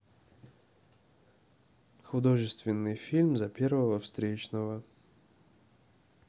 художественный фильм за первого встречного